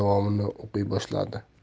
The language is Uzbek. maruzalarining davomini o'qiy boshladi